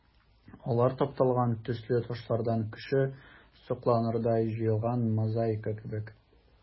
Алар тапталган төсле ташлардан кеше сокланырдай җыелган мозаика кебек.